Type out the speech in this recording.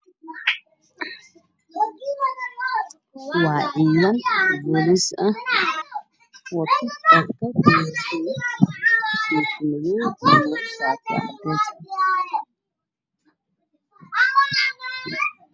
Waa niman ciidan oo ah boolis oo wataan dhar caddeys ah waxaa ka dambeeyo niman ka ciidan oo militari ah